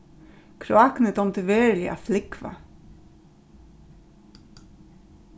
krákuni dámdi veruliga at flúgva